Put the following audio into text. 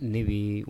Ne b'i